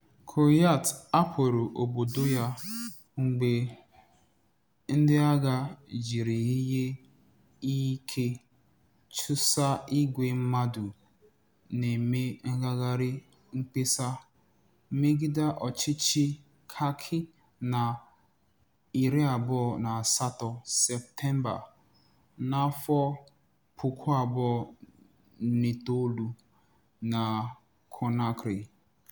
Kouyaté hapụrụ obodo ya mgbe ndịagha jiri ihe ike chụsaa ìgwè mmadụ na-eme ngagharị mkpesa megide ọchịchị Kaki na 28 Septemba 2009 na Conakry.